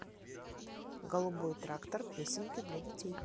голубой трактор песенки для детей